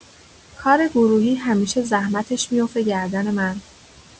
کار گروهی همیشه زحمتش می‌افته گردن من